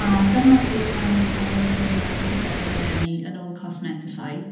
A dyma'r deg brand harddwch mwya poblogaidd eleni yn ôl Cosmetify.